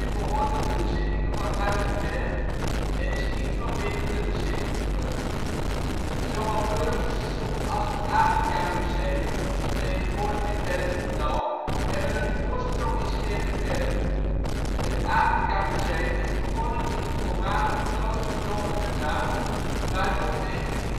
behoort tot de bezittingen van Huis Bergh, en is niet van binnen te bezichtigen. Zowel Burgers ' Zoo als het Afrika museum (tegenwoordig in Berg en Dal) hebben hun oorsprong in ' s-Heerenberg. Het Afrika museum is begonnen in het voormalig klooster Don Rua waar tot 1999